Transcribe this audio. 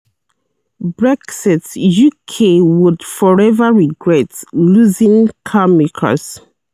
Brexit: UK 'would forever regret' losing carmakers